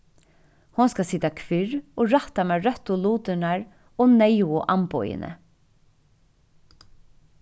hon skal sita kvirr og rætta mær røttu lutirnar og neyðugu amboðini